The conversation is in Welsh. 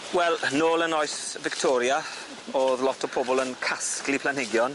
Wel nôl yn oes Victoria o'dd lot o pobol yn casglu planhigion.